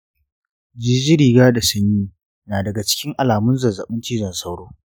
jijiriga da sanyi na daga cikin alamun zazzabin cizon sauro